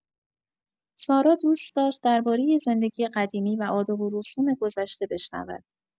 سارا دوست داشت دربارۀ زندگی قدیمی و آداب‌ورسوم گذشته بشنود.